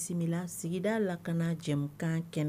Bisimila sigida la ka jɛkan kɛnɛ